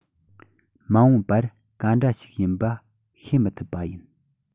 མ འོངས པར ག འདྲ ཞིག ཡིན པ ཤེས མི ཐུབ པ ཡིན